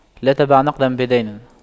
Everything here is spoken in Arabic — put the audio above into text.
لا تبع نقداً بدين